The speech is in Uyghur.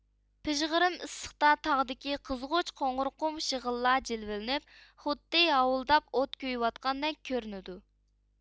بىژغىرىم ئىسسىقتا تاغدىكى قىزغۇچ قوڭۇر قۇم شېغىللار جىلۋىلىنىپ خۇددى ساۋۇلداپ ئوت كۈيىۋاتقاندەك كۆرۈنىدۇ